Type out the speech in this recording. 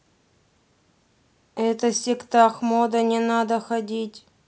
это сектах мода не надо ходить